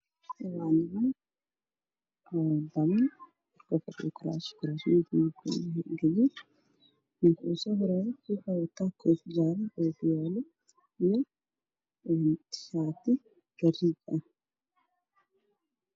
Waa niman kufadhiyo kuraasman gaduud ah, ninka ugu soo horeeyo waxuu wataa koofi jaale ah iyo ookiyaalo, shaati gaduud ah.